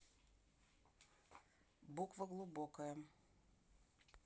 буква глубокая